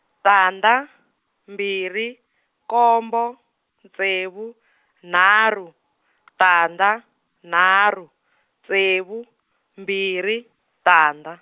tandza, mbirhi, nkombo, ntsevu , nharhu , tandza, nharhu, ntsevu, mbirhi, tandza.